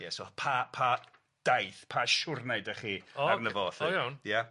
Ie so pa pa daith pa siwrnai 'dach chi arno fo? O c- o iawn. Ia.